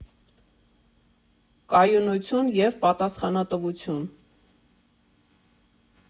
Կայունություն և պատասխանատվություն։